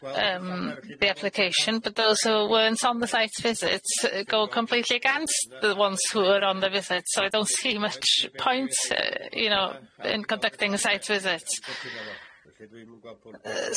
yym the application but those who weren't on the site visit go completely against the ones who were on the visit so I don't see much point yy-you know in conducting a site visit.